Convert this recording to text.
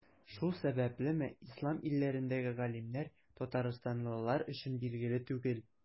Шул сәбәплеме, Ислам илләрендәге галимнәр Татарстанлылар өчен билгеле түгел.